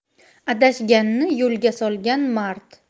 adashganni yo'lga solgan mard